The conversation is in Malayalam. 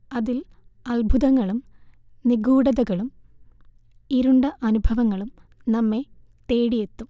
അതിൽ അത്ഭുതങ്ങളും നിഗൂഢതകളും ഇരുണ്ട അനുഭവങ്ങളും നമ്മേ തേടിയെത്തും